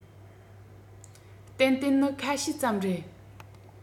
ཏན ཏན ནི ཁ ཤས ཙམ རེད